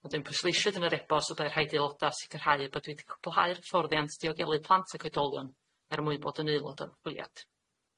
Wedyn pwysleisiwyd yn yr e-bost y byddai rhaid i aelodau sicrhau eu bod wedi cwblhau'r hyfforddiant diogelu plant ac oedolion er mwyn bod yn aelod o'r ymchwiliad.